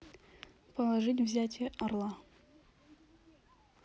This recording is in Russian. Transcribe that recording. положить взятие орла